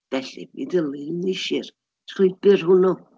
Felly, mi dilynais i'r llwybr hwnnw.